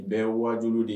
Nin bɛɛ ye wajulu di